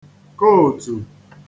kootù